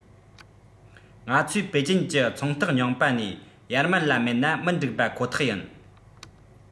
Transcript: ང ཚོས པེ ཅིན གྱི ཚོང རྟགས རྙིང པ ནས ཡར མར ལ མེད ན མི འགྲིག པ ཁོ ཐག ཡིན